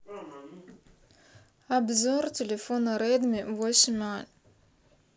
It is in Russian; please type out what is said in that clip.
обзор телефона редми восемь а